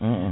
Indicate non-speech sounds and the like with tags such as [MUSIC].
[HESITATION] [HESITATION]